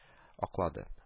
Аклады